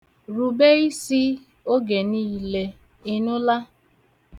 Rube isi oge niile, ị nụla?